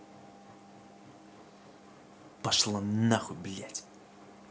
пошла нахуй блядь